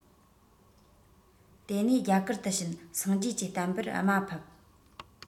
དེ ནས རྒྱ གར དུ ཕྱིན སངས རྒྱས ཀྱི བསྟན པར དམའ ཕབ